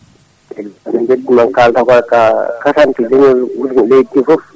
eyyi ko kalta ka katante leñol leydi ndi foof